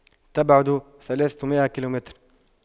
تبعد ثلاثة مئة كيلومتر